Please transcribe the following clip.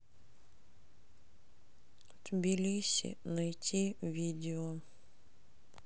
тбилиси найти видео